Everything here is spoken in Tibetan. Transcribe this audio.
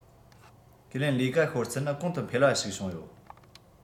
ཁས ལེན ལས ཀ ཤོར ཚད ནི གོང དུ འཕེལ བ ཞིག བྱུང ཡོད